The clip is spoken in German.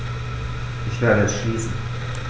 Ich werde es schließen.